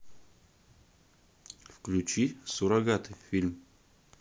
включи суррогаты фильм